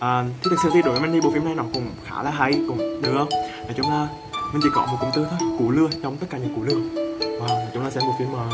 ờ thực sự đối với mình thì bộ phim này nó cũng khá là hay cũng được nói chung là mình chỉ có một cụm từ thôi cú lừa trong các cú lừa uwow nói chung xem bộ phim